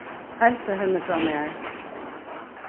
heilsa henni frá mær